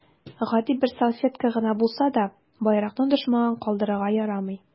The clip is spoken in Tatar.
Гади бер салфетка гына булса да, байракны дошманга калдырырга ярамый.